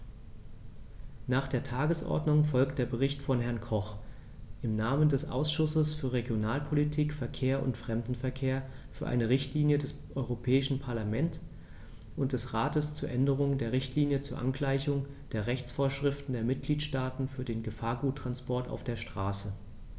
Nach der Tagesordnung folgt der Bericht von Herrn Koch im Namen des Ausschusses für Regionalpolitik, Verkehr und Fremdenverkehr für eine Richtlinie des Europäischen Parlament und des Rates zur Änderung der Richtlinie zur Angleichung der Rechtsvorschriften der Mitgliedstaaten für den Gefahrguttransport auf der Straße.